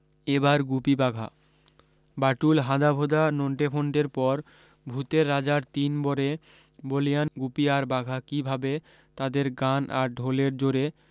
এ বার গুপিবাঘা বাঁটুল হাঁদাভোঁদা নন্টেফন্টের পর ভূতের রাজার তিন বরে বলীয়ান গুপি আর বাঘা কী ভাবে তাদের গান আর ঢোলের জোরে